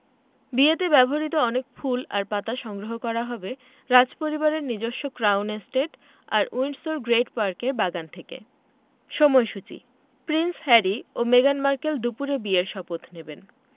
বিয়েতে ব্যবহৃত অনেক ফুল আর পাতা সংগ্রহ করা হবে রাজপরিবারের নিজস্ব ক্রাউন এস্টেট আর উইন্ডসর গ্রেট পার্কের বাগান থেকে সময়সূচি প্রিন্স হ্যারি ও মেগান মার্কেল দুপুরে বিয়ের শপথ নেবেন